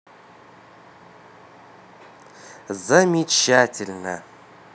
замечательно